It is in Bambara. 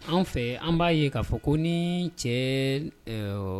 An fɛ an b'a ye k'a fɔ ko ni cɛ